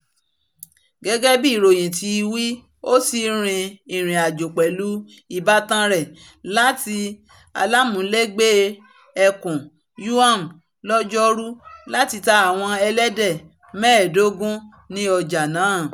Gẹ́gẹ́ bí ìròyìn ti wí ó ti rin ìrìn-àjò pẹ̀lú ìbátan rẹ láti aláàmúlégbé ẹkùn Yunnan lọ́jọ́ 'Ru láti ta àwọn ẹlẹ́dẹ̀ mẹ́ẹ̀dógún ní ọjá náà.